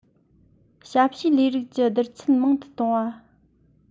ཞབས ཞུའི ལས རིགས ཀྱི བསྡུར ཚད མང དུ གཏོང བ